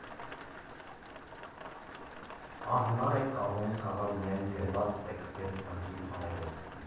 Անհնար է ԿՎՆ խաղալ միայն գրված տեքստեր անգիր անելով։